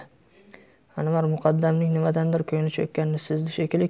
anvar muqaddamning nimadandir ko'ngli cho'kkanini sezdi shekilli